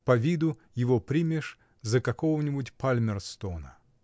По виду его примешь за какого-нибудь Пальмерстона.